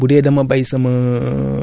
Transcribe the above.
benn source de matière organique la